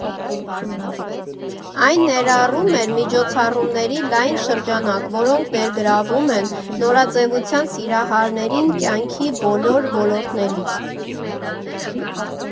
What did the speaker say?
Այն ներառում էր միջոցառումների լայն շրջանակ, որոնք ներգրավում են նորաձևության սիրահարներին կյանքի բոլոր ոլորտներից։